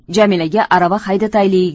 jamilaga arava haydataylik